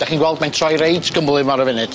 Dach chi'n gweld mai'n troi reit gymlym ar y funud.